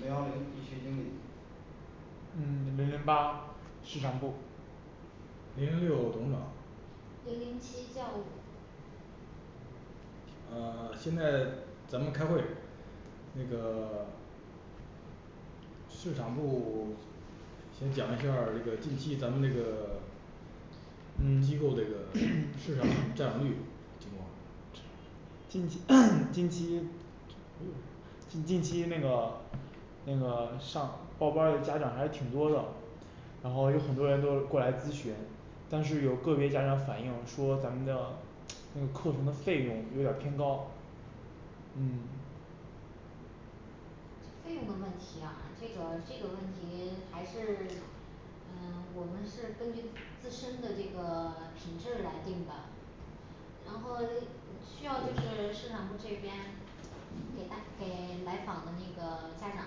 零幺零地区经理嗯零零八市场部零零六董事长零零七教务呃现在咱们开会，那个 市场部先讲一下这个近期咱们那个嗯机构这个市场占有率情况近期 近期呃近期那个那个上报班儿的家长还是挺多的然后有很多人都过来咨询但是有个别家长反映说咱们的那课程的费用有点儿偏高嗯费用的问题啊，这个这个问题还是呃我们是根据自身的这个品质来定的然后需要就是市场部这边给大给来访的那个家长，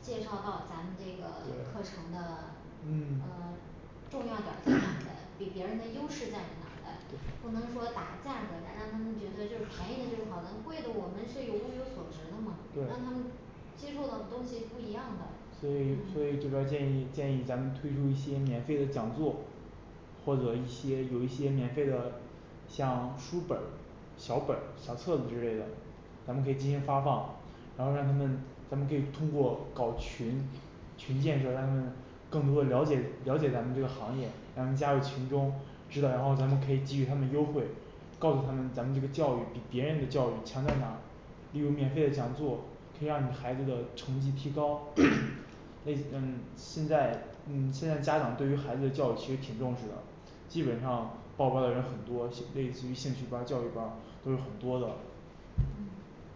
介绍到咱们这个课对程的嗯呃重要点儿在哪的，比别人的优势在哪儿的，不能说打价格战，让他们觉得便宜的就是好贵的我们是有物有所值的嘛让他对们接触到的东西不一样的所以所以这边建议建议咱们推出一些免费的讲座，或者一些有一些免费的像书本儿小本儿小册子之类的咱们可以进行发放，然后让他们咱们可以通过搞群群建设，让他们更多的了解了解咱们这个行业，让他们加入群中知道，然后咱们可以给予他们优惠，告诉他们咱们这个教育比别人的教育强在哪儿例如免费的讲座可以让你孩子的成绩提高 所以嗯现在嗯现在家长对于孩子的教育其实挺重视的，基本上报班儿的人很多其类似于兴趣班儿教育班儿都是很多的嗯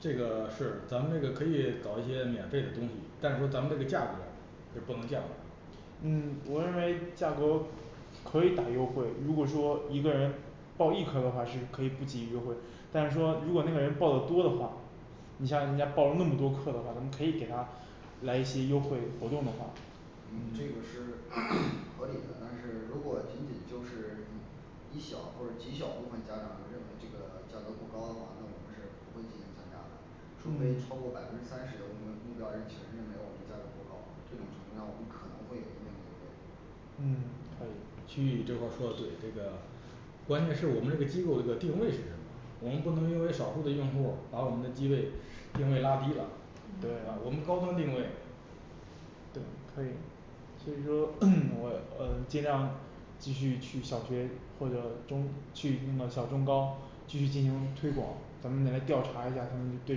这个是咱们这个可以搞一些免费的东西，但是说咱们这个价格是不能降嗯我认为价格可以打优惠，如果说一个人报一科的话是可以不给予优惠但是说如果那个人报的多的话你像人家报了那么多课的话，咱们可以给他来一些优的话除非超嗯过百分之三十的目标目标，人群认为我们价格偏高这种情况下我们可能会有一定的嗯可以区域这块说对这个关键是我们这个机构这个定位是什么，我们不能因为少数的用户儿把我们的机位定位拉低了对吧嗯我们高端定位对可以所以说 我呃尽量继续去小学或者中去那么小中高继续进行推广咱们再来调查一下他们对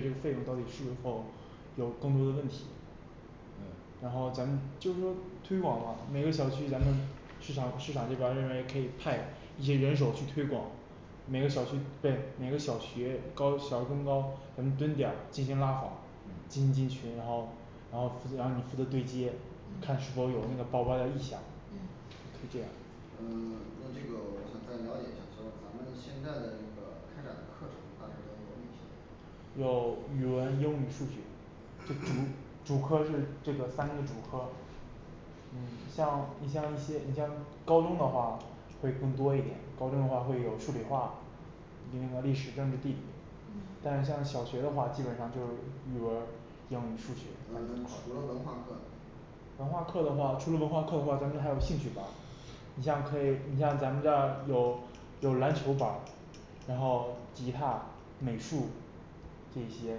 这个费用到底是否有更多的问题。嗯然后咱们就是说推广了每个小区咱们市场市场这边儿认为可以派一些人手去推广，每个小区对每个小学高小中高咱们蹲点儿进行拉访进进嗯群，然后然后然后你负责对接，看嗯是否有那个报班的意向。嗯可以这样嗯那这个我想再了解一下就咱们现在的这个开展课程大致都有哪些有语文、英语、数学，主科是这个三个主科，嗯像你像一些你像高中的话会更多一点高中的话会有数理化。那个历史、政治、地理对但是像小学的话，基本上就是语文儿、英语、数学嗯除了文化课呢文化课的话除了文化课的话，咱们还有兴趣班儿你像可以，你像咱们这儿有有篮球班儿，然后吉他美术这些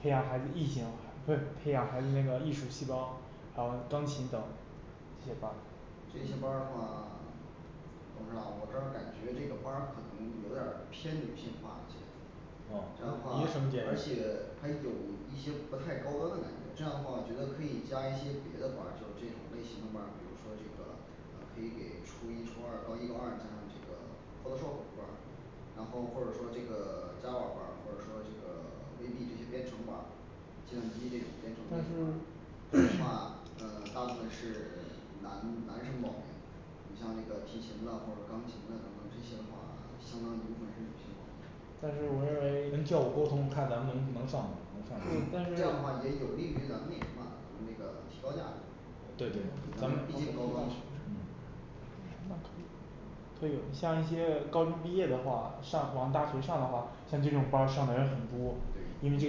培养孩子异性，不是培养孩子那个艺术细胞，然后钢琴等这些班儿这些班儿的话，董事长我这儿感觉这个班儿可能有点儿偏女性化一些哦这样话而且还有一些不太高端的感觉，这样的话我觉得可以加一些别的班儿就这种类型的班儿比如说这个计算机这种编程这但样是这种话呃大部分是男男生报名，你像那个提琴的或者钢琴的等等这些的话相当一部分持平保持但是我认为但这样的是话也有利于咱们那什么咱们那个提高价格对对那对可以对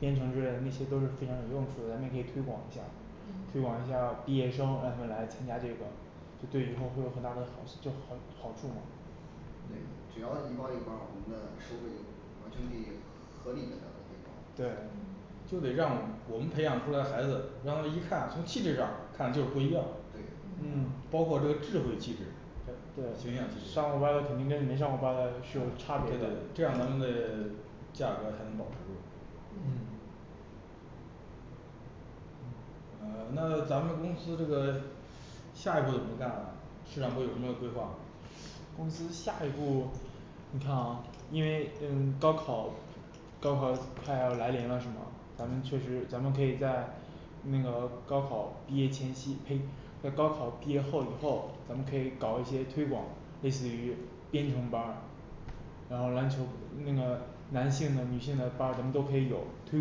编程之类的，那些都是非常有用处的，咱们也可以推广一下推对广一下毕业生让他来参加这个对以后会有很大的好处就好好处嘛对，只要你报这个班儿，我们的收入完全可以合理的地方嗯对 就得让我们培养出来孩子，让人一看从气质上看就是不一样对嗯 包括这个智慧气质对形象气，质上过班儿肯定跟没上过班儿的是有差别对对对的这样咱们的对价格才能保持住嗯嗯呃那咱们公司这个下一步怎么干啊，市场部有什么规划公司下一步你看啊因为嗯高考高考快要来临了，是吗咱们确实咱们可以在那个高考毕业前夕呸，在高考毕业后以后咱们可以搞一些推广，类似于编程班儿，然后篮球呃那个男性的女性的班儿，咱们都可以有推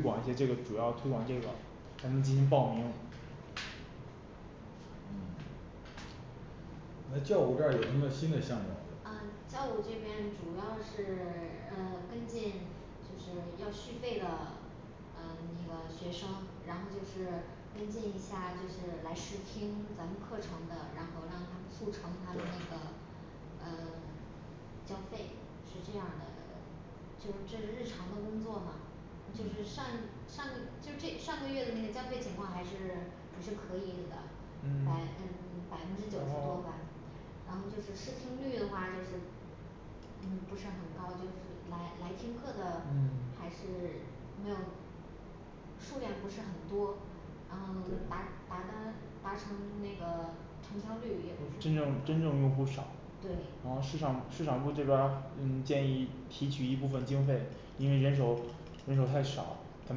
广一些这个主要推广这个，咱们进行报名嗯那教务这儿有什么新的项目呃教务这边主要是 呃跟进就是要续费了，呃那个学生然后就是跟进一下就是来试听咱们课程的，然后让他们促成他们那对个嗯 交费是这样的，呃就这是日常的工作嘛，这是嗯上就这上个月的交费情况还是还是可以的百嗯嗯百分之九然十多后吧然后就是试听率的话就是嗯不是很高就是来来听课的，嗯还是没有数量不是很多然后达对达的达成那个成交率也不是真正真正用户少对然后市场市场部这边嗯建议提取一部分经费因为人手人手太少，咱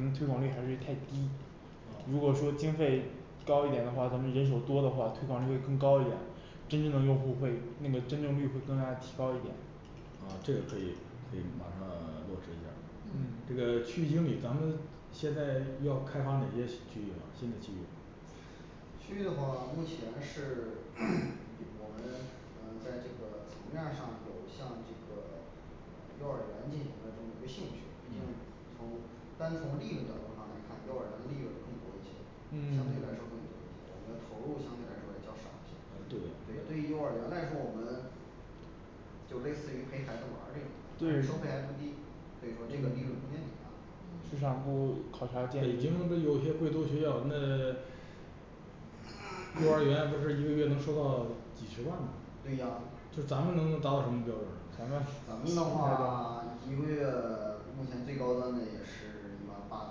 们推广率还是太低，如啊果说经费高一点儿的话，咱们人手多的话，推广率会更高一点，真正的用户会那个真正率会更加提高一点啊这个可以可以马上落实一下儿这嗯个区域经理咱们现在要开发哪些区域了新的区域区域的话目前是在 我们的呃在这个层面儿上有像这个幼儿园进行了这么一个兴趣，毕竟嗯从嗯啊对就类似于陪孩子玩儿这种收费还不对低可以说利润空间很大市场部考察建议北京不有些贵族学校我们的幼儿园不是一个月能收到几十万吧对呀就咱们能不能达到什么标准啊咱，反正们的话一个月目前最高端的也是一万八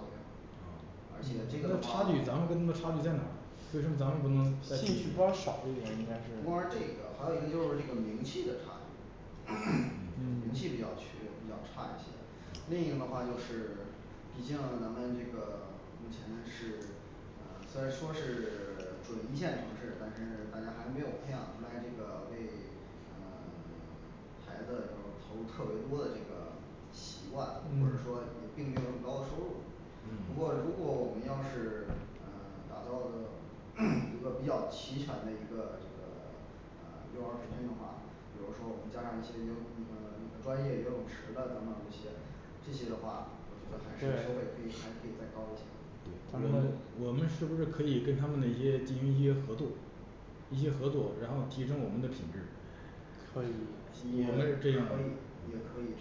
左右，而啊且这个那的话差距咱们跟他们差距在哪儿为什么咱们不能在兴趣班儿少，这个应该是不光是这 个还有一个就是名气的差距 名气比较缺比较差一些。 另一个的话就是，毕竟咱们这个目前是呃虽然说是准一线城市但是大家还没有培养出来这个为呃 孩子就是投入特别多的这个习惯，或者说嗯你并没有那么高的收入不过如嗯果我们要是呃打造的 一个比较齐全的一个这个呃幼儿培训的话，比如说我们加上一些有那个专业游泳池的等等这些这些的话我觉得还是收费对还可以再高一些对我咱们们我们是不是可以跟他们那些进行一些合作，一些合作，然后提升我们的品质可以我们这样啊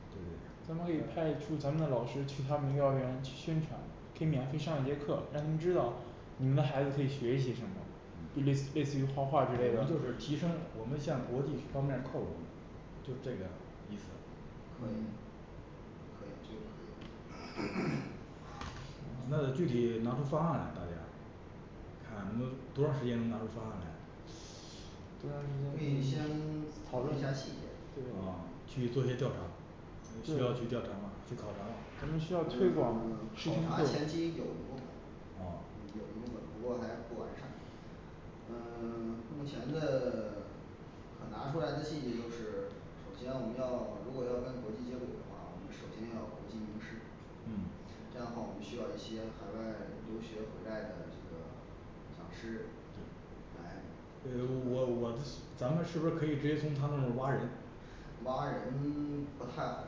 对对咱们可以派对出咱们的老师去他们幼儿园去宣传，可以免费上一节课让他们知道你们的孩子可以学习什么就嗯类类似于画我画之类的们就是提升我们向国际方面靠拢就这个意思可以可以这个可以 那得具体拿出方案来，大家看能不多长时间能拿出方案来关可于以先讨论一下细节啊对去做一些调查需要去对调查吗？去考察咱吗？们嗯 需要推广考察前期有一部分啊，有一部分不过还不完善嗯 目前的 可拿出来的细节就是首先我们要如果要跟国际接轨的话我们首先要国际名师嗯这样的话我们需要一些海外留学回来的这个讲师对来呃我我咱们是不是可以可以直接从他那边挖人挖人 不太好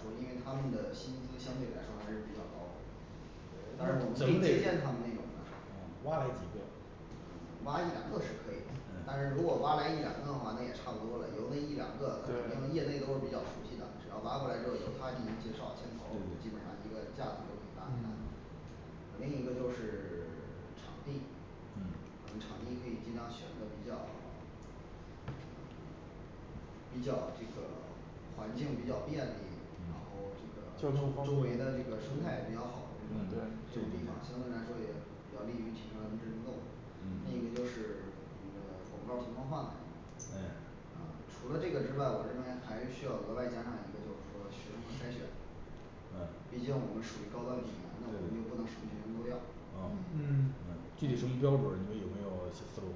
说，因为他们的薪资相对来说还是比较高的，但但是是我怎们么可以得借荐他们那种的呃挖来几个嗯挖一两个是可以的，但嗯是如果挖来一两个的话那也差不多了，有那一两个他对肯定业内都是比较熟悉的只要挖过来之后由他进行介绍牵头基对本对上一个架子就可以搭起来嗯另一个就是 场地，嗯我们场地可以尽量选择比较 呃 比较这个环境比较便利，然嗯后这交个通周围的这个生态比较好的嗯对地方，相对来说也要利于提升咱们的知名度另嗯一个就是我们的广告投放范围呃啊除了这个之外，我认为还是需要额外加上一个就是说学生的筛选嗯呃毕竟我们属于高端的平台，那我们对就不能什么学生都要啊嗯嗯具体什么标准儿，你们有没有一些思路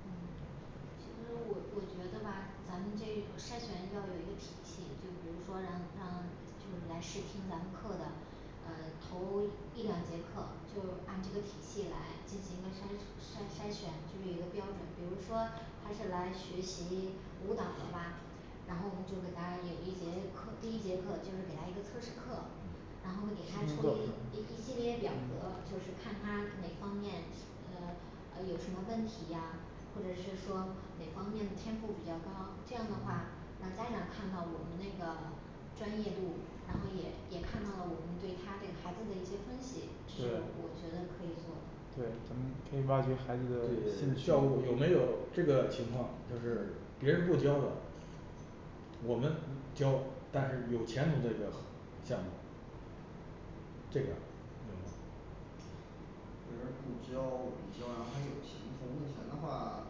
嗯其实我我觉得吧咱们这筛选要有一个体系就比如说让让就是来试听咱们课的呃头一两节课，就按这个体系来进行一个筛筛筛选，就是一个标准，比如说他是来学习舞蹈的吧然后我们就给大家有一节课，第一节课就是给他一个测试课嗯，然后给他出一一一系列表格就是看他哪方面呃呃有什么问题呀，或者是说哪方面的天赋比较高，这样的话让家长看到我们那个专业度然后也也看到了我们对他那个孩子的一些分析，这对我觉得可以我觉得可以做对，咱们可以挖掘对对孩子的兴对趣教务有没有这个情况就是别人不教的我们教但是有前途的一个项目这个有吗别人不教我们教我们教，而且有前途目前的话，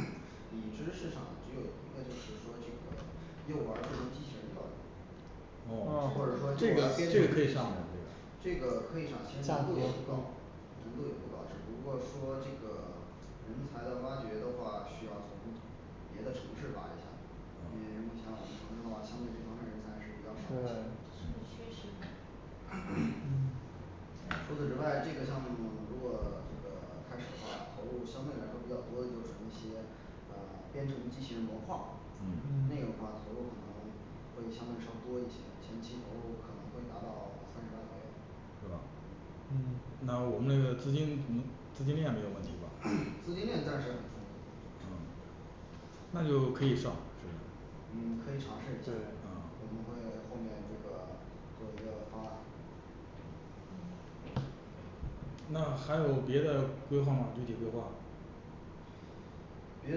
已知市场只有一个，就是说这个幼儿智能机器人教育哦或者说这个这个可以上的这个这个可以上其实难度也不高难度也不高只不过说这个人才的挖掘的话，因为目前我们投资的话，相对这方面人才是比较少对嗯确实 嗯除此之外这个项目如果这个开始的话投入相对来说比较多的，就是一些呃编程机器人模块儿那嗯个的话投入可能会相对稍多一些，前期投入可能会达到三十万左右是吧嗯那我们那个资金嗯资金链没有问题吧 资金链暂时很充足嗯那就可以上是不是嗯可以尝试一下，对我呃们会后面那个做一个方案嗯那还有别的规划吗？具体规划别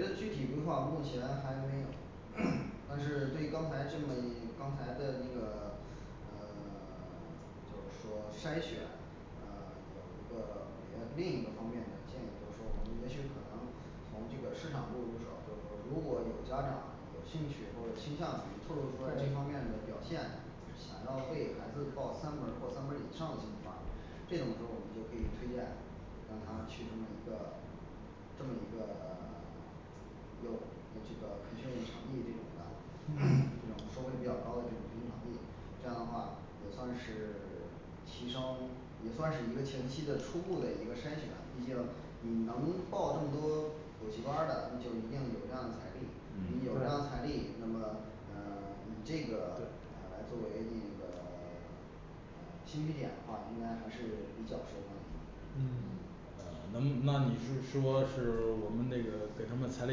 的具体规划目前还没有 但是对这么刚才的那个呃就是说筛选啊有一个别另一个方面的建议就是说我们也许可能从这个市场部入手就是说如果有家长有兴趣或者倾向于透露出来这方面的表现想要为孩子报三门儿或三门儿以上的兴趣班儿，这种时候我们就可以推荐让他其中的一个这么一个 有这个培训场地这种的 这嗯种收费比较高的这种培训场地，这样的话也算是提升，也算是一个前期的初步的一个筛选毕竟你能报这么多补习班儿的就一定有这样的财力，嗯你有这样的财对力，那么呃你这个呃来作为那个 兴趣点的话，应该还是比较受欢迎的嗯呃能那你是说是我们那个给他们裁了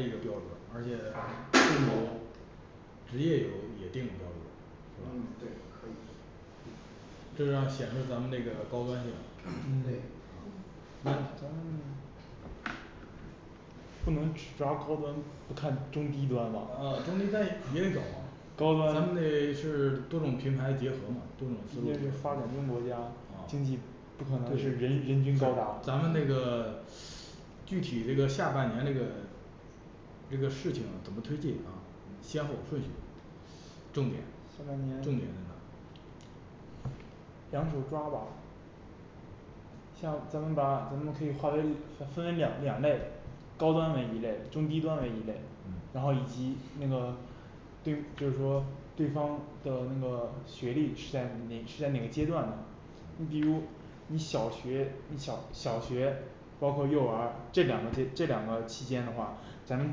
一个标准儿，而且父母职业有也定了标准儿是嗯对吧可以这样显示咱们那个高端性啊对啊嗯那咱们不能只抓高端，不看中低端吧啊中低端也得搞啊咱们得是多种品牌结合嘛多种思因路为啊对是对发展中国家经济不可能是人人均高达咱们那个具体这个下半年这个这个事情怎么推进啊，先后顺序重点下重半年点在哪儿两手抓吧。像咱们把咱们可以划为分分为两两类，高端的一类，中低端的一类嗯然后以及那个对就是说对方的那个学历是在哪是在哪个阶段呢你比如嗯你小学你小小学包括幼儿这两个这这两个期间的话，咱们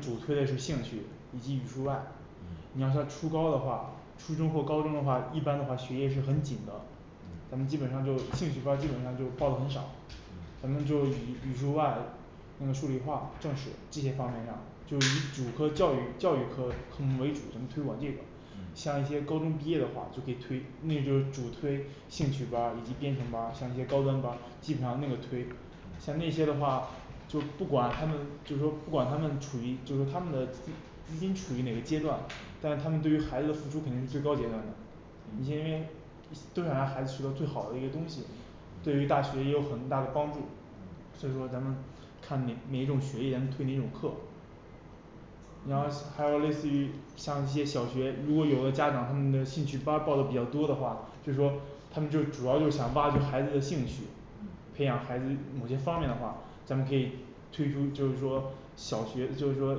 主推的是兴趣以及语数外你要说嗯初高的话，初中或高中的话一般的话学业是很紧的，咱们嗯基本上就兴趣班儿基本上就报的很少，咱嗯们就以语数外那个数理化政治这些方面上，就是以主科教育教育科科目为主，咱们推广这个嗯像一些高中毕业的话就可以推那就是主推兴趣班儿以及编程班儿，像一些高端班儿基本上那个推。像那嗯些的话就不管他们就说不管他们处于就说他们的资资金处于哪个阶段，但是他们对于孩子的付出肯定是最高阶段的因为嗯都想让孩子学得最好的一个东西对于大嗯学也有很大的帮助。嗯所以说咱们看哪哪一种学业，咱们推哪一种课然后还有类似于像一些小学，如果有的家长他们的兴趣班儿报的比较多的话，就说他们就主要就想挖掘孩子的兴趣嗯培养孩子某些方面的话，咱们可以推出就是说小学就是说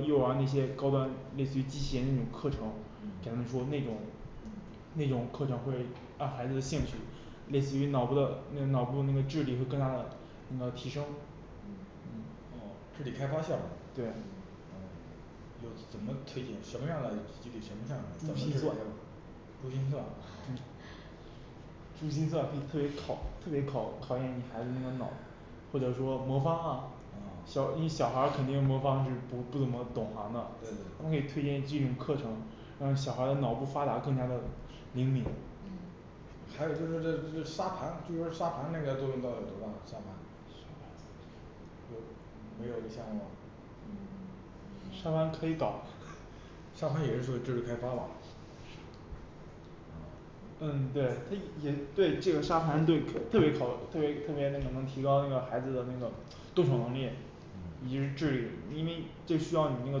幼儿那些高端类似于机器人那种课程嗯那种嗯那种课程会让孩子的兴趣类似于脑部的那个脑部那个智力会更大的，那个提升嗯嗯嗯哦智力开发项目对嗯有怎么推进什么样的具体什么项目不听课对狙击课可以考特别考考验你孩子的那个脑，或者说魔方啊，嗯小你小孩儿肯定魔方是不不怎么懂行的对对，我们可以推对荐这种课程让小孩的脑部发达更加的灵敏嗯还有就说这这沙盘就是沙盘那个作用到底有多大？ 沙盘有没有这项目吗嗯沙盘可以搞 沙盘也是属于智力开发吧是啊嗯对这也对这个沙盘对，特别好特别特别那个能提高那个孩子的那个动手能力也是智嗯力因为就需要你那个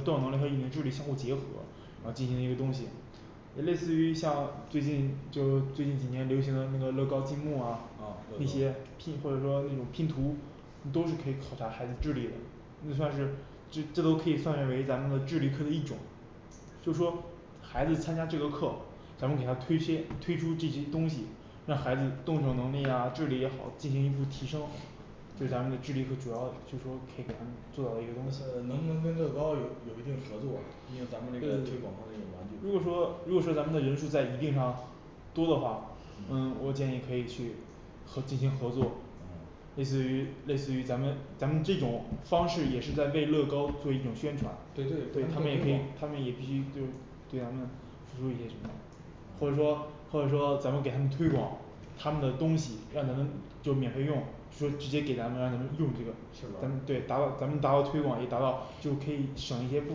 断能力和语言智力相互结合啊进行一个东西呃类似于像最近就最近几年流行的那个乐高积木啊啊乐高一些拼或者说那种拼图那都是可以考察孩子智力的，那算是这都可以算为咱们的智力科的一种就是说孩子参加这个课咱们给他推些推出这些东西让孩子动手能力呀智力也好进行一步提升就咱们的智力和主要的就是说可以给他们做到一个东西呃呃能不能跟乐高有有一定合作。毕竟咱们那个对推广上那种玩如果说具如果说咱们的人数在一定上多的话嗯嗯我建议可以去和进行合作。类嗯似于类似于咱们咱们这种方式也是在为乐高做一种宣传对对他咱们们也也可可以以他搞们也必须对对咱们付出一些什么或者说啊或者说咱们给他们推广他们的东西，让咱们就免费用，说直接给咱们让他们用这个是咱们对达吧到咱们达到推广也达到，就可以省一些部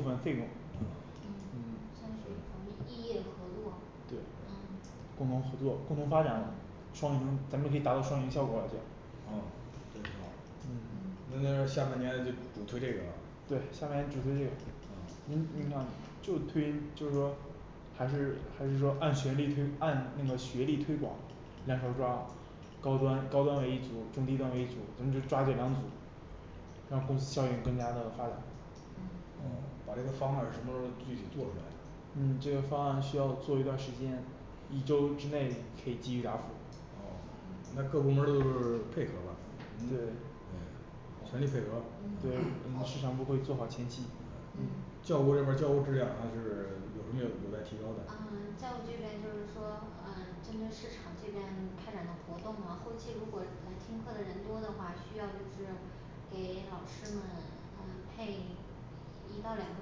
分费用嗯嗯咱们可以找一企业合作对共同合作共同发展了。双赢咱们可以达到双赢效果就啊这挺好嗯嗯那下半年就主推这个吧对下半年主推这个啊嗯您看就推就是说还是还是说按学历推，按那个学历推广两头儿抓高端高端的一组，中低端的一组，咱们就抓这两组让公司效益更加的发展嗯哦嗯把这个方案什么时候具体做出来嗯这个方案需要做一段时间，一周之内可以继续答复哦那嗯各部门儿都是配合吧你们得呃全力配合对嗯嗯市场部会做好前期嗯嗯教务这边儿教务质量还是有什么有有待提高的啊在我这边就是说嗯针对市场这边开展的活动啊，后期如果来听课的人多的话需要就是给老师们嗯配一到两个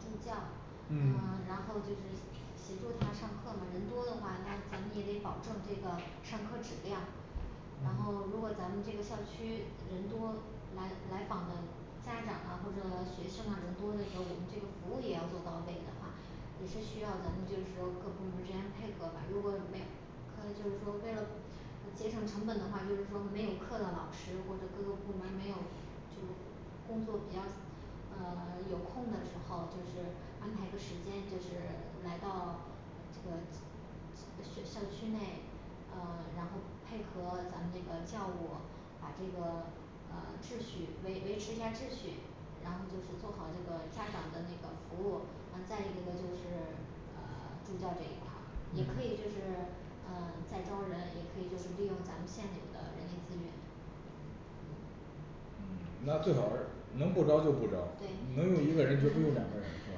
助教，呃嗯然后就是协助他上课嘛，人多的话，那咱们也得保证这个上课质量然后嗯如果咱们这个校区人多来来访的家长啊或者学生啊人多的时候，我们这个服务也要做到位的话也是需要咱们就是说各部门儿之间配合吧，如果没有可以就是说为了呃节省成本的话就是说没有课的老师或者各个部门儿没有就是工作比较呃有空的时候就是安排个时间就是来到这个呃小小区内，呃然后配合咱们这个教务把这个呃秩序维维持一下秩序，然后就是做好这个家长的那个服务呃再一个呢就是呃助教这一块儿也可以嗯就是呃再招人，也可以就是利用咱们现有的人力资源嗯嗯嗯那最好是能不招就不招，对能用一个人就不用两个人是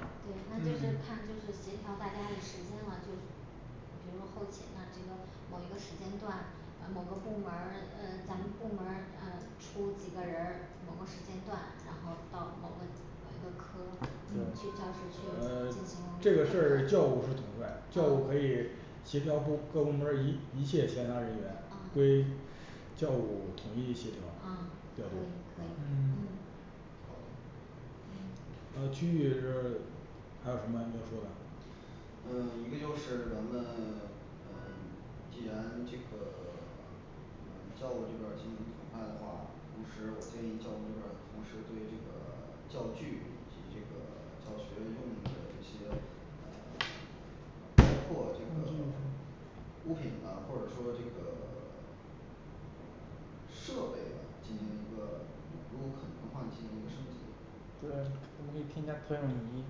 吧对那就是嗯看他就是协调大家的时间了对比如后勤呢这个某一个时间段，呃某个部门儿呃咱们部门儿呃出几个人儿某个时间段，然后到某个某一个科对呃这个事儿，教务是统帅教务可以协调部各部门一一切闲杂人员啊归教务统一协调度啊啊可以可以啊嗯嗯好的呃其余就是还有什么要说的教具以及这个教学用的这些呃包括这嗯个继续说物品呢或者说这个 设备嗯进行一个如果可能的话进行一个升级对他们可以添加投影仪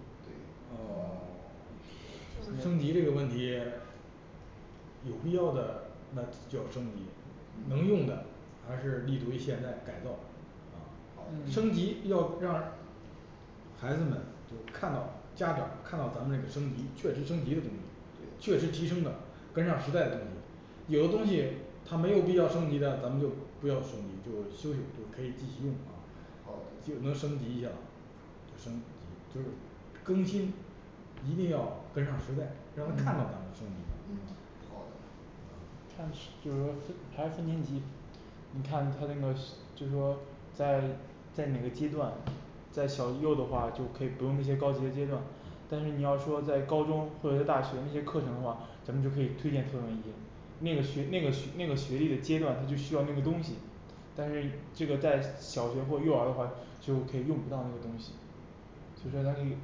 对哦可升级以这个问题有必要的那就要升级能用的，还是立足于现在改造啊，好升的嗯级要让孩子们就看到家长看到咱们这个升级确实升级的东西确实对提升的跟上时代的东西，有的东西他没有必要升级的，咱们就不要升级就修修就可以继续用啊就能好的升级一下就升级就是更新一定要跟上时代，让他看到咱嗯们升级嗯好了啊的啊看是就是说分还是分年级，你看他那个是就是说在在哪个阶段在小幼的话就可以不用那些高级的阶段就说他可以